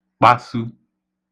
kpasu